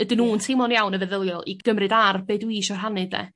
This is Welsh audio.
ydyn nhw'n teimlo'n iawn yn feddylio i gymryd ar be' dw i isio rhannu 'de?